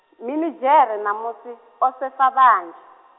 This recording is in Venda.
minidzhere mamusi, o sefa vhanzhi.